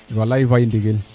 walay Faye Ndigil